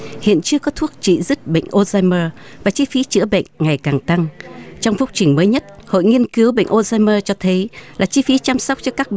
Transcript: hiện chưa có thuốc trị dứt bệnh ô rem mơ và chi phí chữa bệnh ngày càng tăng trong phúc trình mới nhất hội nghiên cứu bệnh ô rem mơ cho thấy là chi phí chăm sóc cho các